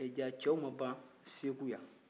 ee jaa cɛw ma ban segu yan